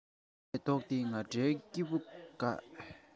དེ ལས ལྡོག སྟེ ང འདྲའི སྐྱེས བུ འགས